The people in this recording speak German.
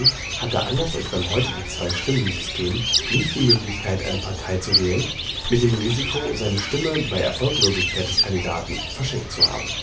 hatte anders als beim heutigen Zweistimmensystem nicht die Möglichkeit eine Partei zu wählen, mit dem Risiko seine Stimme bei Erfolglosigkeit des Kandidaten verschenkt zu haben